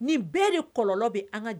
Nin bɛɛ de kɔlɔlɔ bɛ an ka jama